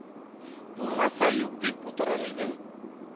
Булмаса юк дип утырыр идең